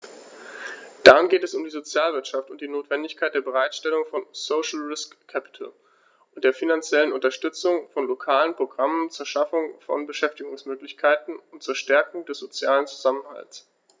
Darin geht es um die Sozialwirtschaft und die Notwendigkeit der Bereitstellung von "social risk capital" und der finanziellen Unterstützung von lokalen Programmen zur Schaffung von Beschäftigungsmöglichkeiten und zur Stärkung des sozialen Zusammenhalts.